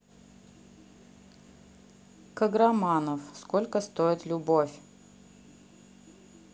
kagramanov сколько стоит любовь